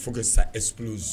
Fo ka sa esp